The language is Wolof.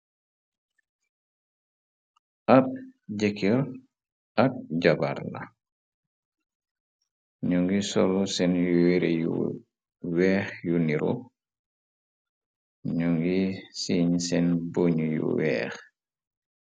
ab jëkkir ak jabaar la ño ngi solo seen y were yu weex yu niro ñoo ngi siiñ seen boñu yu weex